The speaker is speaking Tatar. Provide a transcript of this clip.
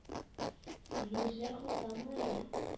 – синең эшләр хутта, малай, ә